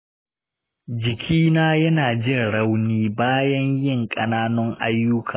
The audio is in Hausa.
jikina yana jin rauni bayan yin ƙananun ayyuka.